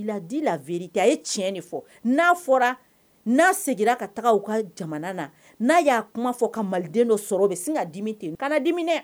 Tiɲɛ' fɔra n'a seginna ka taga ka jamana na n'a y'a kuma fɔ ka maliden dɔ sɔrɔ bɛ sin ka dimi ten di